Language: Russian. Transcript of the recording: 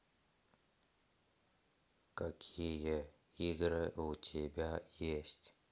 какие игры у тебя есть